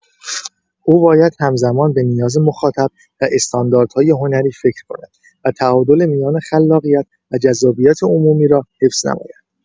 او باید همزمان به نیاز مخاطب و استانداردهای هنری فکر کند و تعادل میان خلاقیت و جذابیت عمومی را حفظ نماید.